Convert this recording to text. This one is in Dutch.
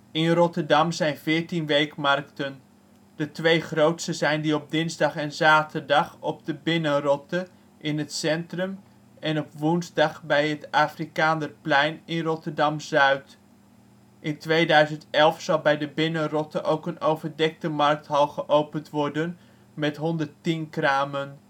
In Rotterdam zijn 14 weekmarkten. De twee grootste zijn die op dinsdag en zaterdag op de Binnenrotte in het centrum en op woensdag bij het Afrikaanderplein in Rotterdam-Zuid. In 2011 zal bij de Binnenrotte ook een overdekte markthal geopend worden met 110 kramen